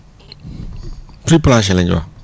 prix planché la ñu wax